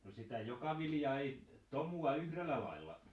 no sitä joka vilja ei tomua yhdellä lailla